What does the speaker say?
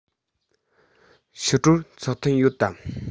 ཕྱི དྲོར ཚོགས ཐུན ཡོད དམ